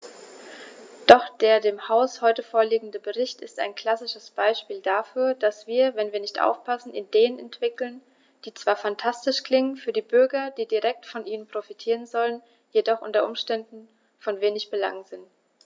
Doch der dem Haus heute vorliegende Bericht ist ein klassisches Beispiel dafür, dass wir, wenn wir nicht aufpassen, Ideen entwickeln, die zwar phantastisch klingen, für die Bürger, die direkt von ihnen profitieren sollen, jedoch u. U. von wenig Belang sind.